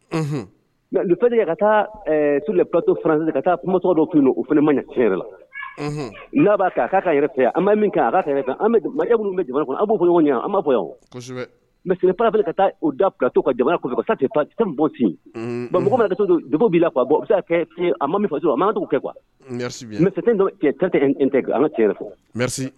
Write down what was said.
Taa tu pato ka taa tɔgɔ dɔ fana ma ɲɛ laban an min minnu bɛ jamana a bɔ ɲɔgɔn ma bɔ yan mɛ ka taa da to ka jamana n bɔ ci don dugu b'i a bɔ bɛ a ma min a ma dugu kɛ tɛ an ka cɛ